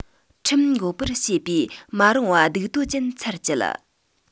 ཁྲིམས འགོག པར བྱེད པའི མ རུངས པ སྡིག ཏོ ཅན ཚར བཅད